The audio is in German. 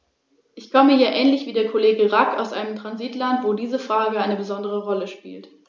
Unser Ausschuss erörtert die vorliegenden Fragen aus vielen unterschiedlichen Blickwinkeln.